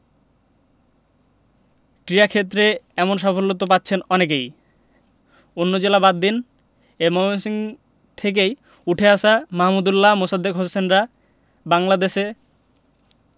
ক্রীড়াক্ষেত্রে এমন সাফল্য তো পাচ্ছেন অনেকেই অন্য জেলা বাদ দিন এ ময়মনসিংহ থেকেই উঠে আসা মাহমুদউল্লাহ মোসাদ্দেক হোসেনরা বাংলাদেশে